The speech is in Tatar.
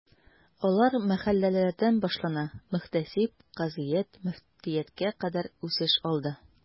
Алар мәхәлләләрдән башлана, мөхтәсиб, казыят, мөфтияткә кадәр үсеш алды.